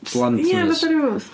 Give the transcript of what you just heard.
Ia, fatha rhyw...